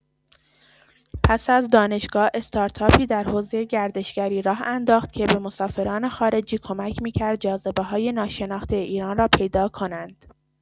پس از دانشگاه، استارتاپی در حوزه گردشگری راه انداخت که به مسافران خارجی کمک می‌کرد جاذبه‌های ناشناخته ایران را پیدا کنند.